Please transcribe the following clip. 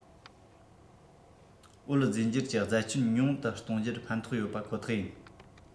འོད རྫས འགྱུར གྱི བརྫད སྐྱོན ཉུང དུ གཏོང རྒྱུར ཕན ཐོགས ཡོད པ ཁོ ཐག ཡིན